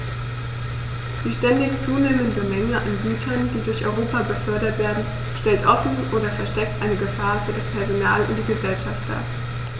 Die ständig zunehmende Menge an Gütern, die durch Europa befördert werden, stellt offen oder versteckt eine Gefahr für das Personal und die Gesellschaft dar.